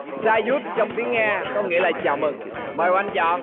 xa dút trong tiếng nga có nghĩa là chào mừng mời oanh chọn